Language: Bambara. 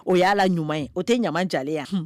O y'a la ɲuman ye o tɛ ɲama diya yan